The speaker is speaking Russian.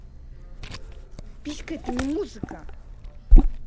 писька это не музыка